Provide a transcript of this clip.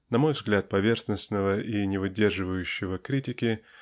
-- на мой взгляд поверхностного и не выдерживающего критики